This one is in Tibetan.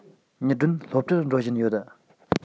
ཉི སྒྲོན སློབ གྲྭར འགྲོ བཞིན ཡོད